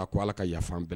A ko ala ka yafa fan bɛɛ